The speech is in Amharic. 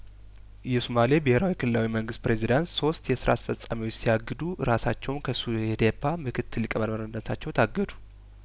የሶማሌ ብሄራዊ ክልላዊ መንግስት ፕሬዚደንት ሶስት የስራ አስፈጻሚዎች ሲያግዱ ርሳቸውም ከሱህዴፓ ምክትል ሊቀመንበርነታቸው ታገዱ